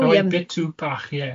y rai bitw bach, yeah.